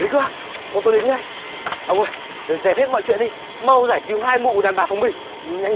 thế cơ á bọn tôi đến ngay ông ơi lên xe biết mọi chuyện đi mau giải cứu hai mụ đàn bà phòng mình nhanh lên